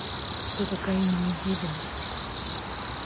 кто такая немезида